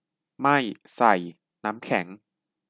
ไม่ใส่น้ำแข็ง